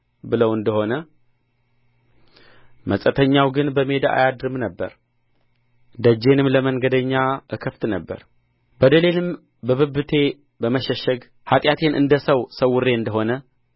ብለው እንደ ሆነ መጻተኛው ግን በሜዳ አያድርም ነበር ደጄንም ለመንገደኛ እከፍት ነበር በደሌንም በብብቴ በመሸሸግ ኃጢአቴን እንደ ሰው ሰውሬ እንደ ሆነ